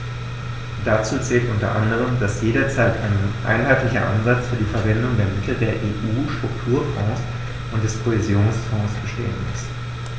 Dazu zählt u. a., dass jederzeit ein einheitlicher Ansatz für die Verwendung der Mittel der EU-Strukturfonds und des Kohäsionsfonds bestehen muss.